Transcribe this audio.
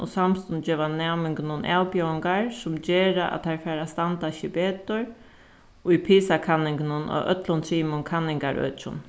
og geva næmingunum avbjóðingar sum gera at teir fara at standa seg betur í pisa-kanningunum á øllum trimum kanningarøkjum